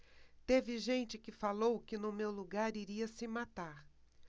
teve gente que falou que no meu lugar iria se matar